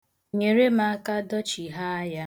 Nyere m aka dọchigha ya .